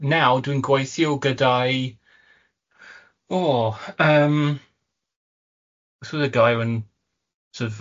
Naw' dwi'n gweithio gyda'i o, yym, beth oedd y gair yn sor' of yy